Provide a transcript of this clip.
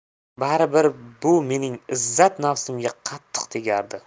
bari bir bu mening izzat nafsimga qattiq tegardi